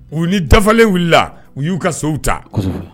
U ni dafalen wulila u y'u ka sow ta